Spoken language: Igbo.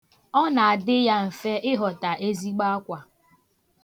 Ọ na-adị ya mfe ịhọta ezigbo akwa.